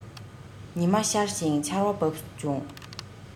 ཉི མ ཤར ཞིང ཆར བ བབས བྱུང